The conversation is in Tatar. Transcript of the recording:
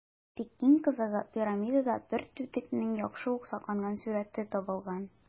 Тик иң кызыгы - пирамидада бер түтекнең яхшы ук сакланган сурəте табылган.